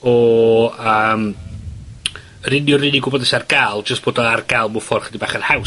o yym yr union 'run un gwybodeth sy ar ga'l jyst bod o ar ga'l mew ffor chydig bach yn haws.